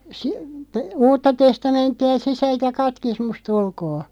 -- uutta testamenttia sisältä ja katekismusta ulkoa